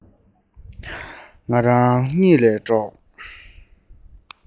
བྱེད པའི སྒྲས ང རང གཉིད ལས དཀྲོགས